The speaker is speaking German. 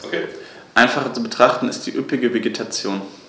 Einfacher zu betrachten ist die üppige Vegetation.